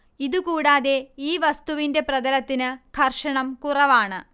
ഇതു കൂടാതെ ഈ വസ്തുവിന്റെ പ്രതലത്തിന് ഘർഷണം കുറവാണ്